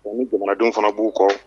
U ni jamanadenw fana b'u kɔ